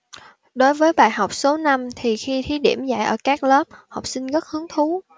đối với bài học số năm thì khi thí điểm dạy ở các lớp học sinh rất hứng thú